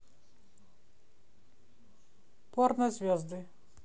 порно звезды